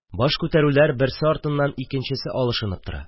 Баш күтәрүләр берсе артыннан икенчесе алышынып тора.